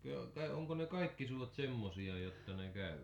ja tai onko ne kaikki suot semmoisia jotta ne käy